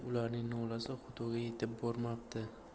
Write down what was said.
xudoga yetib bormabdi